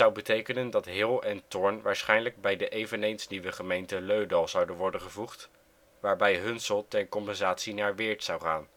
betekenen dat Heel en Thorn waarschijnlijk bij de eveneens nieuwe gemeente Leudal zou worden gevoegd, waarbij Hunsel ter compensatie naar Weert zou gaan